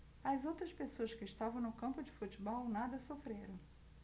as outras pessoas que estavam no campo de futebol nada sofreram